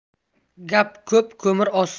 gap ko'p ko'mir oz